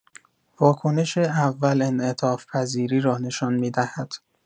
واکنش اول انعطاف‌پذیری را نشان می‌دهد